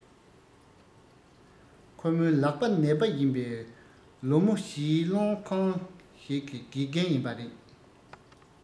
ཁོ མོའི ལག པ ནད པ ཡིན པས ཁོ མོ བྱིས སློང ཁང ཞིག གི དགེ རྒན ཡིན པ རེད